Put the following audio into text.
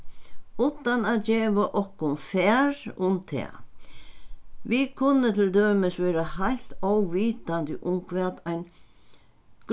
uttan at geva okkum far um tað vit kunnu til dømis vera heilt óvitandi um hvat ein